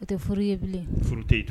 O tɛ furu ye bilen furu tɛ